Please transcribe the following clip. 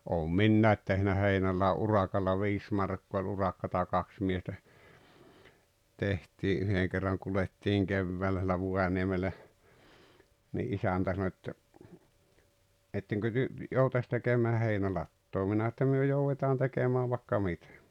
olen minä tehnyt heinäladon urakalla viisi markkaa oli urakkaa kaksi miestä tehtiin yhden kerran kuljettiin keväällä siellä Vuojanniemellä niin isäntä sanoi että ettekö te joutaisi tekemään heinälatoa minä että me joudetaan tekemään vaikka mitä